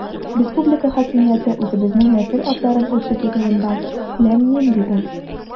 Республика хакимияте үзебезнең нәсел атларын үрчетү турында– ләм-мим, ди ул.